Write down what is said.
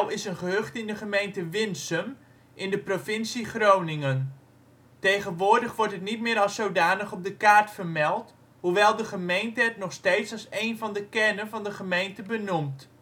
is een gehucht in de gemeente Winsum in de provincie Groningen. Tegenwoordig wordt het niet meer als zodanig op de kaart vermeld, hoewel de gemeente het nog steeds als een van de kernen van de gemeente benoemd